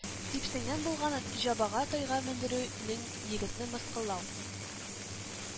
Типсенгән булганын, җабага тайга мендерү нең егетне мыскыллау